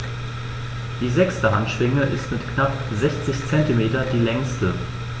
Die sechste Handschwinge ist mit knapp 60 cm die längste.